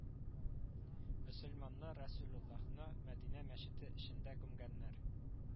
Мөселманнар Рәсүләллаһны Мәдинә мәчете эчендә күмгәннәр